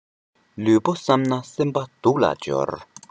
ལུས པོ བསམས ན སེམས པ སྡུག ལ སྦྱོར